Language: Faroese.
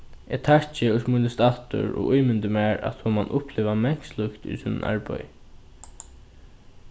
eg takki og smílist aftur og ímyndi mær at hon man uppliva mangt slíkt í sínum arbeiði